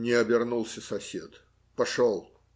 Не обернулся сосед, пошел.